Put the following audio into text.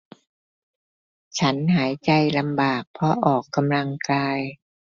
ฉันหายใจลำบากเพราะออกกำลังกาย